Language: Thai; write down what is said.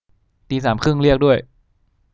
ตีสามครึ่งเรียกด้วย